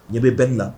N ɲɛ bɛ bɛn in na